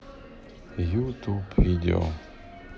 ютуб видео